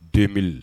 Denele